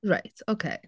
Reit ok.